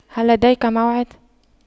هل لديك موعد